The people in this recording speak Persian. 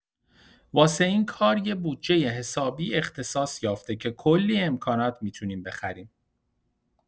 واسه این کار یه بودجه حسابی اختصاص‌یافته که کلی امکانات می‌تونیم بخریم.